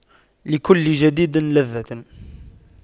لكل جديد لذة